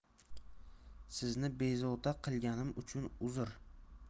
sizni bezovta qilganim uchun uzr